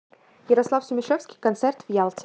ярослав сумишевский концерт в ялте